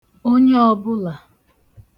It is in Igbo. onye ọbụla